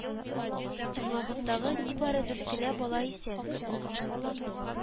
Теплоходтагы нибары дүрт кенә бала исән